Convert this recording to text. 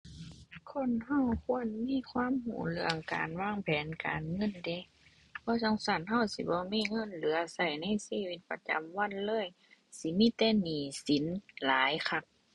คนเราควรมีความเราเรื่องการวางแผนการเงินเดะ บ่จั่งซั้นเราสิบ่มีเงินเหลือเราในชีวิตประจำวันเลย สิมีแต่หนี้สินหลายคัก